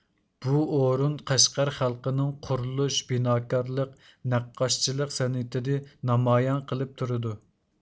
بۇ ئورۇن قەشقەر خەلقىنىڭ قۇرۇلۇش بىناكارلىق نەققاشچىلىق سەنئىتىنى نامايان قىلىپ تۇرىدۇ